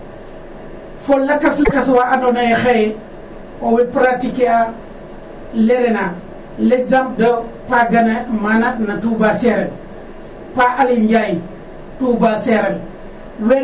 Fo lakas lakas wa andoona yee xaye owey pratiquer a l' RNA l' exemple de Pagana mana no Touba seereer Pa Aliou Ndiaye Touba seeree